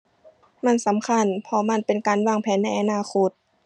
มันสำคัญ เพราะมันเป็นการวางแผนในอนาคต